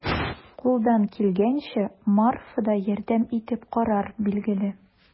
Кулдан килгәнчә Марфа да ярдәм итеп карар, билгеле.